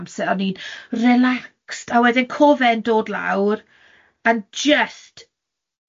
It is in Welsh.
amser, o'n i'n relaxed, a wedyn co fe'n dod lawr, a just,